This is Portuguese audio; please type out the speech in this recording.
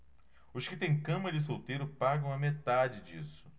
os que têm cama de solteiro pagam a metade disso